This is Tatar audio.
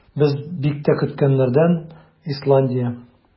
Без бик тә көткәннәрдән - Исландия.